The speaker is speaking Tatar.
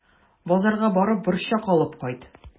Базарга барып, борчак алып кайт.